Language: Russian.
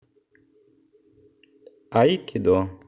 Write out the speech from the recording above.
айкидо